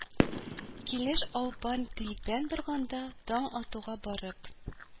Килеш алпан-тилпән барганда да, таң атуга барып